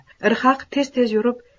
rhaq tez tez yurib